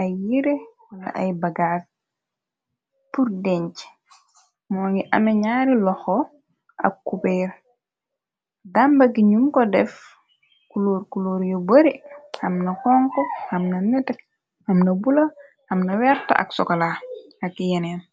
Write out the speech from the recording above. ay yire wala ay bagaak purdenc moo ngi ame ñaari loho ak couber. Damba ngi ko def kuluur kuluur yu bari amna honku, amna nètè, amna bulo amna weeh tè ak sokola ak yeneen.